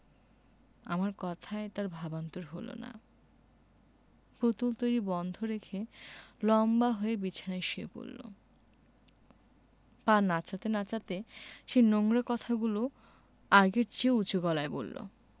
আমার কথায় তার ভাবান্তর হলো না পুতুল তৈরী বন্ধ রেখে লম্বা হয়ে বিছানায় শুয়ে পড়লো পা নাচাতে নাচাতে সেই নোংরা কথাগুলি আগের চেয়েও উচু গলায় বললো